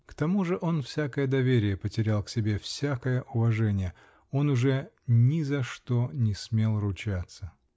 К тому же он всякое доверие потерял к себе, всякое уважение: он уже ни за что не смел ручаться.